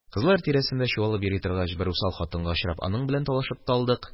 Кызлар тирәсендә чуалып йөри торгач, бер усал хатынга очрап, аның белән талашып та алдык.